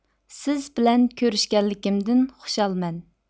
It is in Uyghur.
سىز بىلەن كۆرۈشكەنلىكىمدىن خۇشالمەن